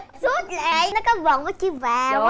sút là nó có vần của chữ vào ớ